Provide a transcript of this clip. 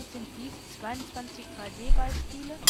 sind dies 22 3D-Beispiele